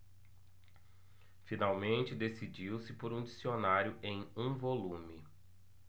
finalmente decidiu-se por um dicionário em um volume